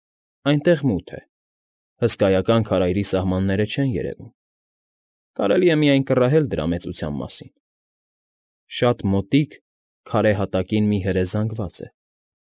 Այնտեղ մութ է, հսկայական քարայրի սահմանները չեն երևում, կարելի է միայն կռահել դրա մեծության մասին. շատ մոտիկ, քարե հատակին մի հրե զանգված է։